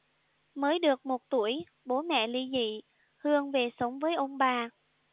mới được một tuổi bố mẹ ly dị hương về sống với ông bà